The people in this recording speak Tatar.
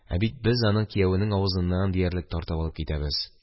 Ә бит без аны киявенең авызыннан диярлек тартып алып китәбез